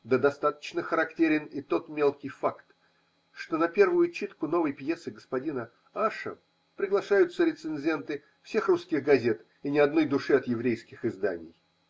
Да достаточно характерен и тот мелкий факт, что на первую читку новой пьесы господина Ш. Аша приглашаются рецензенты всех русских газет и ни одной души от еврейских изданий.